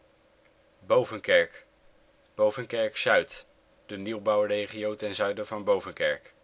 Bovenkerk Bovenkerk Zuid (de nieuwbouw regio ten zuiden van Bovenkerk